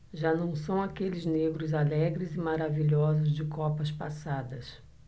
já não são aqueles negros alegres e maravilhosos de copas passadas